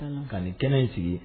Ka nin kɛnɛ in sigi